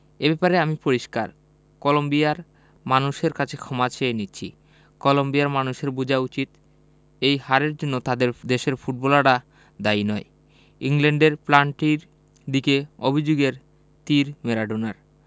এ ব্যাপারে আমি পরিষ্কার কলম্বিয়ার মানুষের কাছে ক্ষমা চেয়ে নিচ্ছি কলম্বিয়ার মানুষের বোঝা উচিত এই হারের জন্য তাদের দেশের ফুটবলাররা দায়ী নয় ইংল্যান্ডের প্লাল্টির দিকে অভিযোগের তির ম্যারাডোনার